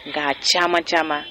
Nka caman caman